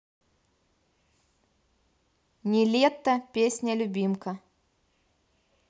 niletto песня любимка